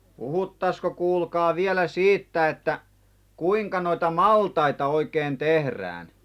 puhuttaisiinko kuulkaa vielä siitä että kuinka noita maltaita oikein tehdään